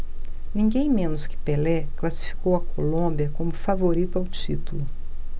ninguém menos que pelé classificou a colômbia como favorita ao título